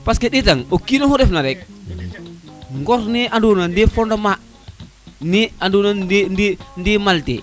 parce que ɗetan po kino xu ref na rek ŋor ne ando na de fondemment ne andona nde nde malte